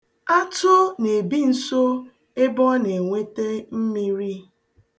Atụ na-ebi nso ebe ọ na-enwete mmiri.